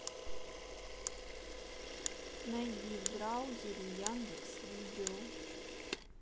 найди в браузере яндекс видео